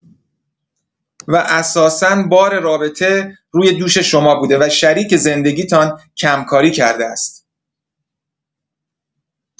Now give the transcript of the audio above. و اساسا بار رابطه روی دوش شما بوده و شریک زندگی‌تان کم‌کاری کرده است.